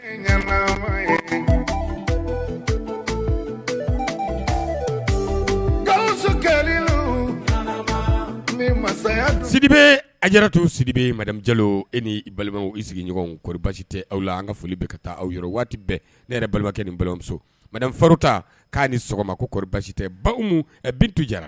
Sidi a yɛrɛ to sibi jalo e ni balimaw i sigiɲɔgɔnɔri basi tɛ aw la an ka foli bɛ ka taa aw waati bɛɛ ne yɛrɛ balimabakɛ ni balimamuso ma fari k'a ni sɔgɔma koɔri basi tɛ bintu jɛra